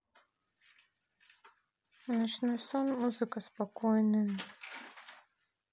ночной сон музыка спокойная